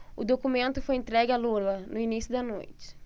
o documento foi entregue a lula no início da noite